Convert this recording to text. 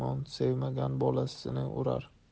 mehmon sevmagan bolasini urar